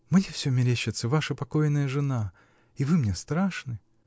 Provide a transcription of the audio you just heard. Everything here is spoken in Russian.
Мне все мерещится ваша покойная жена, и вы мне страшны.